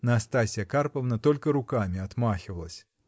Настасья Карповна только руками отмахивалась.